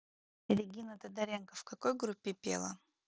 регина тодоренко в какой группе пела